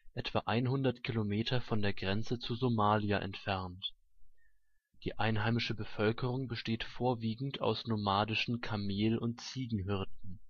etwa 100 Kilometer von der Grenze zu Somalia entfernt. Die einheimische Bevölkerung besteht vorwiegend aus nomadischen Kamel - und Ziegenhirten